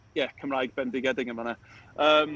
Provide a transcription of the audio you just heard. Ie, Cymraeg bendigedig yn fan'na. Yym...